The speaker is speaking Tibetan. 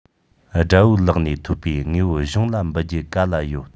དགྲ བོའི ལག ནས ཐོབ པའི དངོས པོ གཞུང ལ འབུལ རྒྱུ ག ལ ཡོད